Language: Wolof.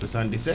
77